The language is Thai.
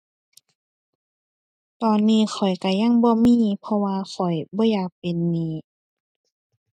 ตอนนี้ข้อยก็ยังบ่มีเพราะว่าข้อยบ่อยากเป็นหนี้